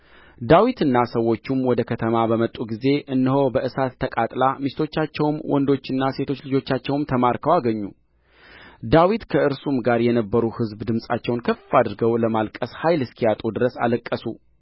ዳዊትና ሰዎቹም ወደ ከተማ በመጡ ጊዜ እነሆ በእሳት ተቃጥላ ሚስቶቻቸውም ወንዶችና ሴቶች ልጆቻቸውም ተማርከው አገኙ ዳዊት ከእርሱም ጋር የነበሩ ሕዝብ ድምፃቸውን ከፍ አድርገው ለማልቀስ ኃይል እስኪያጡ ድረስ አለቀሱ